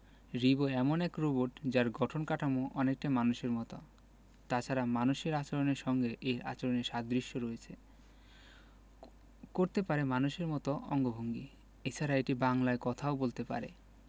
রিবো এমন এক রোবট যার গঠন কাঠামো অনেকটাই মানুষের মতো তাছাড়া মানুষের আচরণের সঙ্গে এর আচরণের সাদৃশ্য রয়েছে করতে পারে মানুষের মতো অঙ্গভঙ্গি এছাড়া এটি বাংলায় কথাও বলতে পারে